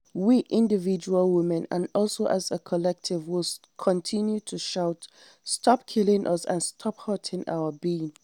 We, individual women, and also as a collective, will continue to shout "stop killing us" and "hurting our being".